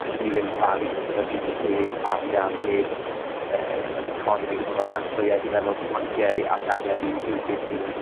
allen ni ddim dyfalu beth bydde by' ni heb arian heb yy yr economi a bethe fel 'na so ie fi'n meddwl banciau ac arian yw yw beth sydd yn